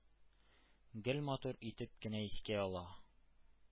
Гел матур итеп кенә искә ала